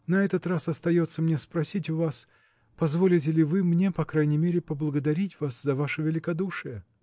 на этот раз остается мне спросить у вас: позволите ли вы мне по крайней мере поблагодарить вас за ваше великодушие?